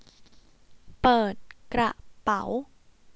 เปิดกระเป๋า